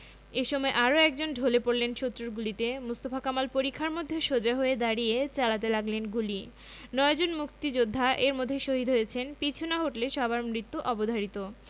এ সময় আরও একজন ঢলে পড়লেন শত্রুর গুলিতে মোস্তফা কামাল পরিখার মধ্যে সোজা হয়ে দাঁড়িয়ে চালাতে লাগলেন গুলি নয়জন মুক্তিযোদ্ধা এর মধ্যেই শহিদ হয়েছেন পিছু না হটলে সবার মৃত্যু অবধারিত